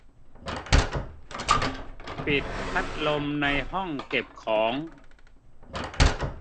ปิดพัดลมในห้องเก็บของ